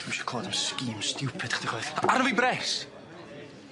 Dwi'm isio clywad am sgîm stiwpid chdi chwaith. Aru fi bres!